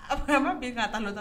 A faama ma min k' taa